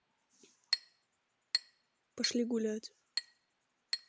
пошли гулять